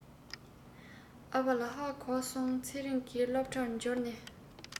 ཨ ཕ ལ ཧ གོ སོང ཚེ རིང སློབ གྲྭར འབྱོར ནས